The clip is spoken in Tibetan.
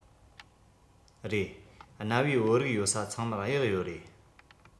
རེད གནའ བོའི བོད རིགས ཡོད ས ཚང མར གཡག ཡོད རེད